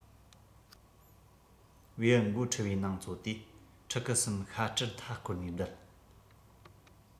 བེའུ མགོ ཕྲུ བའི ནང བཙོ དུས ཕྲུ གུ གསུམ ཤ ཕྲུར མཐའ སྐོར ནས བསྡད